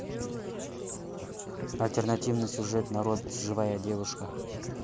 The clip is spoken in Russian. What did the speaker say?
альтернативный сюжет народ живая девушка